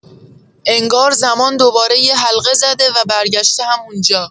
انگار زمان دوباره یه حلقه‌زده و برگشته همون‌جا.